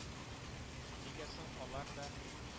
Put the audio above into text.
Нигә соң алар да